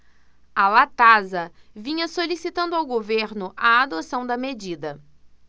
a latasa vinha solicitando ao governo a adoção da medida